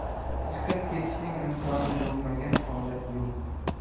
chiqib ketishning imkoni bo'lmagan holat yo'q